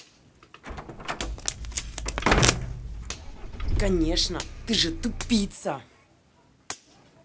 конечно ты же тупица